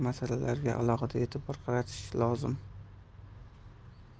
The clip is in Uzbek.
masalalarga alohida e'tibor qaratish lozim